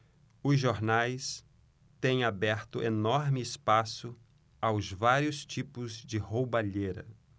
os jornais têm aberto enorme espaço aos vários tipos de roubalheira